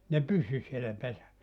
se pysyi siellä pesässä